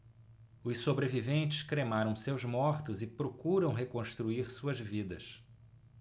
os sobreviventes cremaram seus mortos e procuram reconstruir suas vidas